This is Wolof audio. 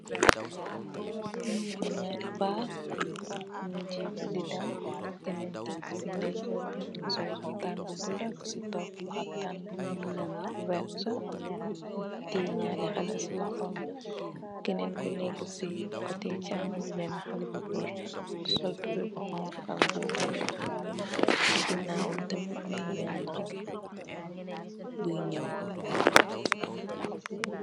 Li nyaari pa nyungi gitu di dem kena ki si ndeyejorr mongi sol xaftan bu bulu kenen ki mongi sol xaftan bu wertax tiye naari xale si loxom kenen ko neka si kote cxamun bi bena xale bu góor la sol tubai bu xonxu ak mbubu bu weex si ganaw tamit mongi am benen xale boi nyow.